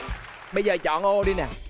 bây giờ chọn ô đi nè